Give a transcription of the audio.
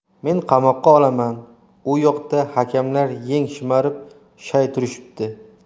men qamoqqa olaman u yoqda hakamlar yeng shimarib shay turishibdi